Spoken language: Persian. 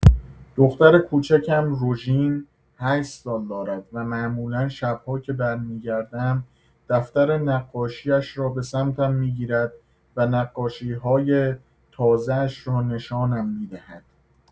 دختر کوچکم روژین هشت سال دارد و معمولا شب‌ها که برمی‌گردم دفتر نقاشی‌اش را به سمتم می‌گیرد و نقاشی‌های تازه‌اش را نشانم می‌دهد.